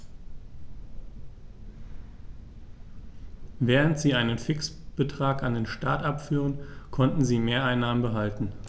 Während sie einen Fixbetrag an den Staat abführten, konnten sie Mehreinnahmen behalten.